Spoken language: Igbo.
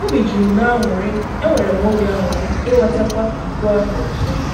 Obi juru m n’anụrị, enwere m obi anụrị ịnwetakwa iko ahụ ọzọ.